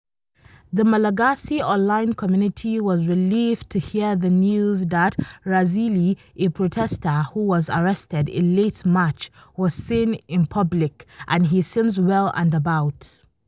The Malagasy online community was relieved to hear the news that Razily, a protester who was arrested in late March, was seen in public (fr) and he seems well and about.